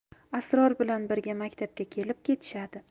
asror bilan birga maktabga kelib ketishadi